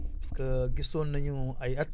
parce que gisoon nañu ay at